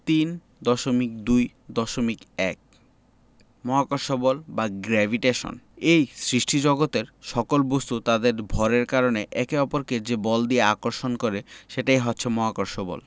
৩.২.১ মহাকর্ষ বল বা গ্রেভিটেশন এই সৃষ্টিজগতের সকল বস্তু তাদের ভরের কারণে একে অপরকে যে বল দিয়ে আকর্ষণ করে সেটাই হচ্ছে মহাকর্ষ বল